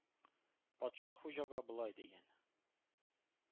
Патша Хуҗага болай дигән: